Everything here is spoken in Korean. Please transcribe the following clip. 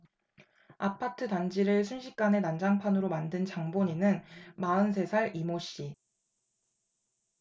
아파트 단지를 순식간에 난장판으로 만든 장본인은 마흔 세 살 이 모 씨